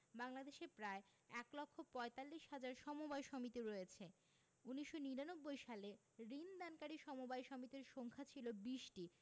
বাংলাদেশে প্রায় এক লক্ষ পয়তাল্লিশ হাজার সমবায় সমিতি রয়েছে ১৯৯৯ সালে ঋণ দানকারী সমবায় সমিতির সংখ্যা ছিল ২০টি